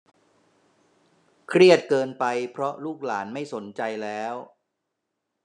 เครียดเกินไปเพราะลูกหลานไม่สนใจแล้ว